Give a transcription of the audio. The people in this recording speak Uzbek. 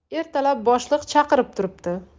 ertalab boshliq chaqirib turibdi